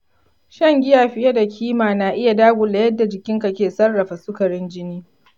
shan giya fiye da kima na iya dagula yadda jikinka ke sarrafa sukarin jini.